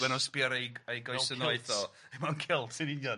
ma' nw'n sbïo ar ei ei goesa noeth o... Mewn kilt... mewn kilt yn union